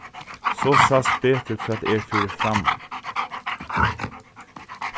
so sæst betur hvat er fyri framman